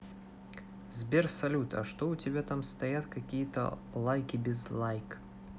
сбер салют а что у тебя там стоят какие то лайки без like